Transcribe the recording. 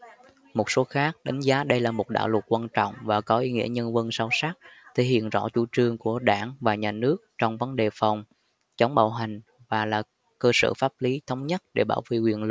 một số khác đánh giá đây là một đạo luật quan trọng và có ý nghĩa nhân văn sâu sắc thể hiện rõ chủ trương của đảng và nhà nước trong vấn đề phòng chống bạo hành và là cơ sở pháp lý thống nhất để bảo vệ quyền